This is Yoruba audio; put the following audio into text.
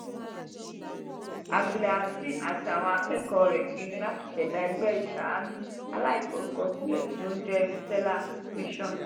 Abdel-Azim àti àwọn akẹ́kọ̀ọ́ rẹ̀ pinnu láti ṣẹ̀dá ẹgbẹ́ ìṣàánú aláìforúkọsílẹ̀ tí ó ń jẹ́ Resala (Mission).